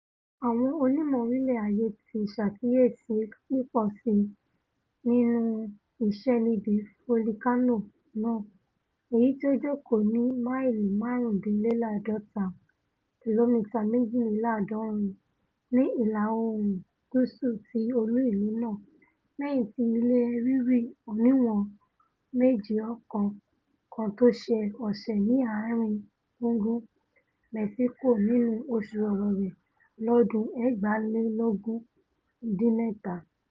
Àwọn onímọ-orilẹ-ayé ti ṣàkíyèsí pípọ̀síi nínú iṣẹ́ níbí fòlìkánò náà èyití ó jókòó ní máìlì máàrúndíńlá́àádọ́ta (kilomita méjìléláàádọ́rin) ní ìlà-oórùn gúúsù ti olú-ìlú náà lẹ́yìn ti ilẹ̀ rírì oníwọ̀n-7.1 kan tó ṣe ọṣẹ́ ní ààrin-gùngùn Mẹ́ṣíkò nínú oṣù Ọ̀wẹ̀wẹ̀ lọ́dún 2017.